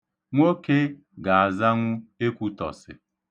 Nwoke ga-azanwu Ekwutọsị.